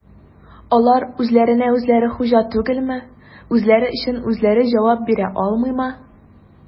Алар үзләренә-үзләре хуҗа түгелме, үзләре өчен үзләре җавап бирә алмыймы?